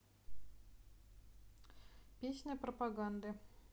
песня пропаганды